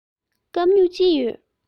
སྐམ སྨྱུག གཅིག ཡོད